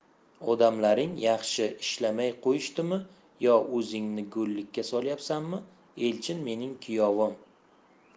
odamlaring yaxshi ishlamay qo'yishdimi yo o'zingni go'llikka solyapsanmi elchin mening kuyovim